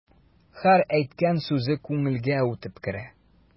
Һәр әйткән сүзе күңелгә үтеп керә.